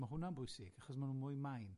Ma' hwnna'n bwysig, achos ma' nw'n mwy main.